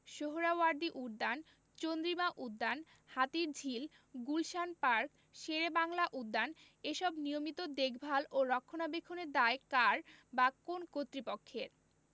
সোহ্রাওয়ার্দী উদ্যান চন্দ্রিমা উদ্যান হাতিরঝিল গুলশান পার্ক শেরেবাংলা উদ্যান এসব নিয়মিত দেখভাল ও রক্ষণাবেক্ষণের দায় কার বা কোন্ কর্তৃপক্ষের